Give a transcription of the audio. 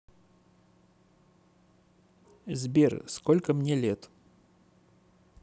сбер сколько мне лет